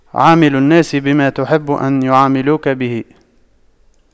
عامل الناس بما تحب أن يعاملوك به